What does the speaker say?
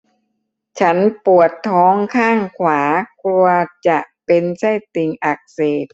ฉันปวดท้องข้างขวากลัวจะเป็นไส้ติ่งอักเสบ